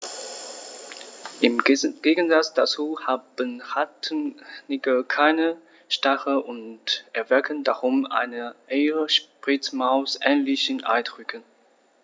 Im Gegensatz dazu haben Rattenigel keine Stacheln und erwecken darum einen eher Spitzmaus-ähnlichen Eindruck.